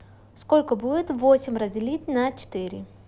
сколько будет восемь разделить на четыре